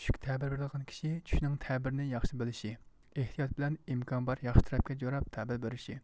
چۈشكە تەبىر بېرىدىغان كىشى چۈشنىڭ تەبىرىنى ياخشى بىلىشى ئىھتىيات بىلەن ئىمكان بار ياخشى تەرەپكە جوراپ تەبىر بېرىشى